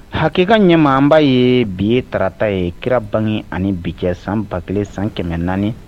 Hakɛ ka ɲɛma b'a ye bi ye tata ye kira bange ani bi kɛ san ba kelen san kɛmɛ naani